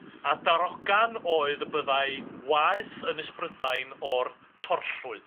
A darogan oedd y byddai waeth Ynys Brydain o'r torllwyd.